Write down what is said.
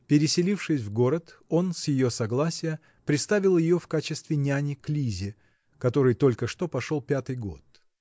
Переселившись в город, он, с ее согласия, приставил ее в качестве няни к Лизе, которой только что пошел пятый год.